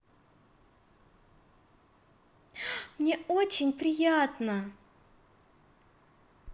мне очень приятно